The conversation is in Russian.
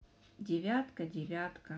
девятка девятка